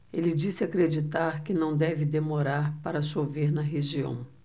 ele disse acreditar que não deve demorar para chover na região